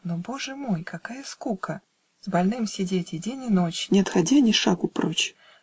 Но, боже мой, какая скука С больным сидеть и день и ночь, Не отходя ни шагу прочь!